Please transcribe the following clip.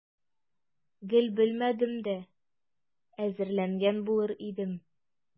Гел белмәдем дә, әзерләнгән булыр идем.